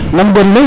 nam gon le